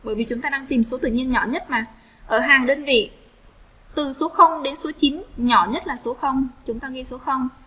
bởi vì chúng ta đang tìm số tự nhiên nhỏ nhất từ số đến số nhỏ nhất là số bao nhiêu số